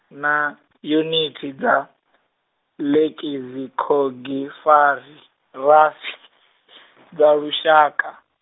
na, yunithi dza, lekizikhogifari- -rafi , dza lushaka.